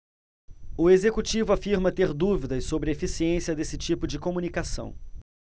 o executivo afirma ter dúvidas sobre a eficiência desse tipo de comunicação